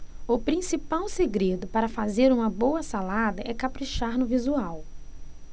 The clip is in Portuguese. o principal segredo para fazer uma boa salada é caprichar no visual